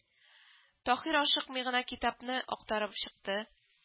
Таһир ашыкмый гына китапны актарып чыкты